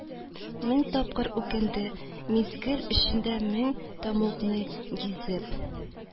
Мең тапкыр үкенде, мизгел эчендә мең тәмугны гизеп